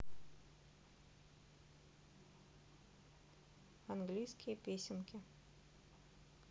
английские песенки